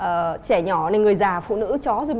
ờ trẻ nhỏ này người già phụ nữ chó rồi